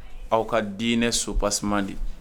Aw ka diinɛ so pasi di